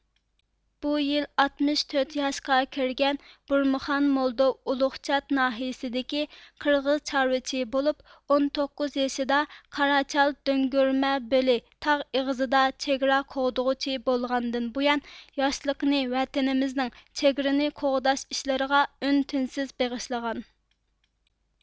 بۇ يىل ئاتمىش تۆت ياشقا كىرگەن بۇرمىخان مولدو ئۇلۇغچات ناھىيىسىدىكى قىرغىز چارۋىچى بولۇپ ئون توققۇز يېشىدا قاراچال دۆڭگۆرمۆ بېلى تاغ ئېغىزى دا چېگرا قوغدىغۇچى بولغاندىن بۇيان ياشلىقىنى ۋەتىنىمىزنىڭ چېگرىنى قوغداش ئىشلىرىغا ئۈن تىنسىز بېغىشلىغان